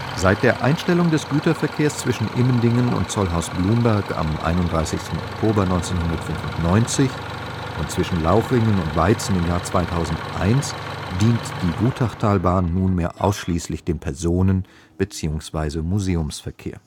Seit der Einstellung des Güterverkehrs zwischen Immendingen und Zollhaus-Blumberg am 31. Oktober 1995 und zwischen Lauchringen und Weizen im Jahr 2001 dient die Wutachtalbahn nunmehr ausschließlich dem Personen - beziehungsweise Museumsverkehr